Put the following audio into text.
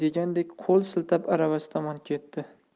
degandek qo'l siltab aravasi tomon ketdi